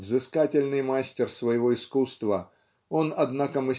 Взыскательный мастер своего искусства он однако